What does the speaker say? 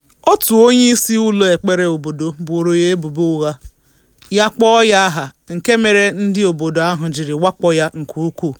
Otu onyeisi ụlọ ekpere obodo boro ya ebubo ụgha, ma kpọ ya aha, nke mere ndị obodo ahụ jiri wakpo ya nke ukwuu.